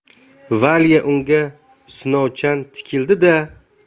valya unga sinovchan tikildi da